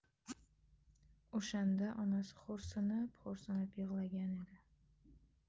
o'shanda onasi xo'rsinib xo'rsinib yig'lagan edi